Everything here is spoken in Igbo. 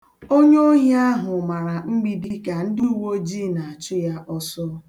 Onye ohi ahụ mara mgbidi ka ndị uweojii na-achụ ya ọsọ.